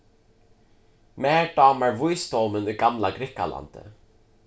mær dámar vísdómin í gamla grikkalandi